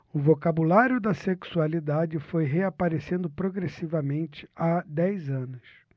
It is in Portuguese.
o vocabulário da sexualidade foi reaparecendo progressivamente há dez anos